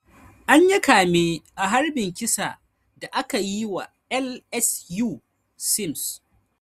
Anyi kame a harbin kisan da akayi wa LSU Sims